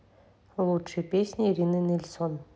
лучшие песни ирины нельсон